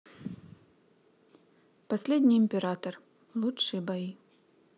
последний император лучшие бои